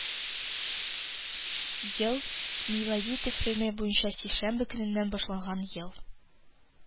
Ел – милади тәкъвиме буенча сишәмбе көненнән башланган ел